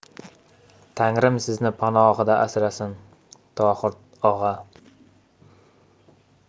tangrim sizni ham panohida asrasin tohir og'a